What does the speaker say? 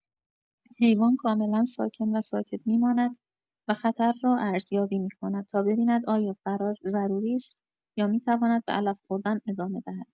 حیوان کاملا ساکن و ساکت می‌ماند و خطر را ارزیابی می‌کند تا ببیند آیا فرار ضروری است یا می‌تواند به علف خوردن ادامه دهد.